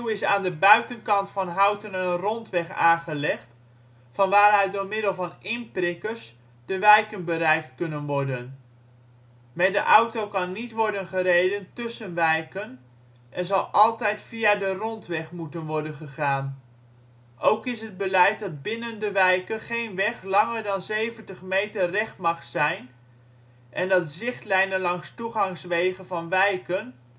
is aan de buitenkant van Houten een rondweg aangelegd van waaruit door middel van " inprikkers " de wijken bereikt kunnen worden. Met de auto kan niet worden gereden tussen wijken en zal altijd via " de Rondweg " moeten worden gegaan. Ook is het beleid dat binnen de wijken geen weg langer dan 70 meter recht mag zijn en dat zichtlijnen langs toegangswegen van wijken